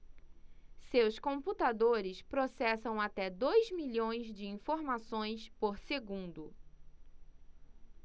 seus computadores processam até dois milhões de informações por segundo